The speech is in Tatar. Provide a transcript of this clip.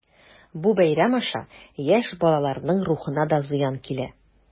Бу бәйрәм аша яшь балаларның рухына да зыян килә.